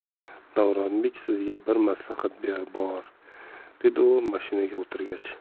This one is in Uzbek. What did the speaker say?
davronbek sizga bir maslahat bor dedi u mashinaga o'tirgach